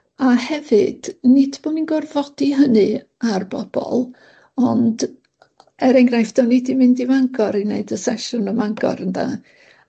a hefyd, nid bo' ni'n gorfodi hynny ar bobol ond, er enghraifft, o'n i 'di mynd i Fangor i wneud y sesiwn ym Mangor ynde